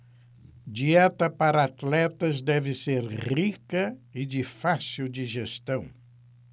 dieta para atletas deve ser rica e de fácil digestão